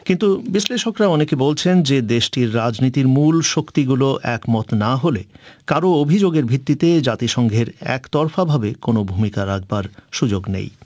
কিন্তু বিশ্লেষকরা অনেকেই বলছেন যে দেশটির রাজনীতির মূল শক্তিগুলো একমত না হলে কারও অভিযোগের ভিত্তিতে জাতিসমূহের একতরফাভাবে কোন ভূমিকা রাখবার সুযোগ নেই